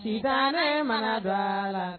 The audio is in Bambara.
Sirajɛ ma dɔgɔ